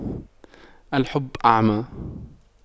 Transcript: الحب أعمى